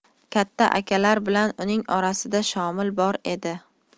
katta akalar bilan uning orasida shomil bor edi